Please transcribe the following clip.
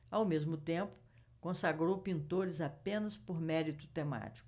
ao mesmo tempo consagrou pintores apenas por mérito temático